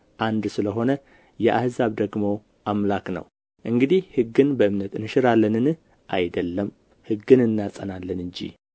አንድ ስለ ሆነ የአሕዛብ ደግሞ አምላክ ነው እንግዲህ ሕግን በእምነት እንሽራለንን አይደለም ሕግን እናጸናለን እንጂ